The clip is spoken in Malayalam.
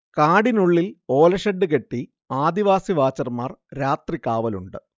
കാടിനുള്ളിൽ ഓലഷെഡ്ഡുകെട്ടി ആദിവാസി വാച്ചർമാർ രാത്രി കാവലുണ്ട്